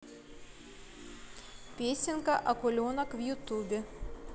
песенка акуленок в ютубе